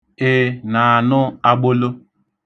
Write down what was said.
Ị na-anụ agbolo?